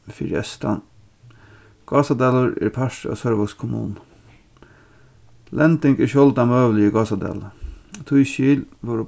fyri eystan gásadalur er partur av sørvágs kommunu lending er sjáldan møgulig í gásadali tískil vóru